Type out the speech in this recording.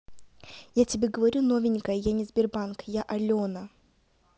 я тебе говорю новенькая я не sberbank я алена